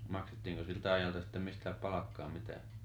maksettiinko siltä ajalta sitten mistään palkkaa mitään